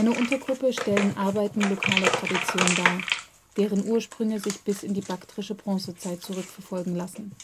Untergruppe stellen Arbeiten lokaler Tradition dar, deren Ursprünge sich bis in die baktrische Bronzezeit zurückverfolgen lassen